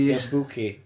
'di o'n Spooky?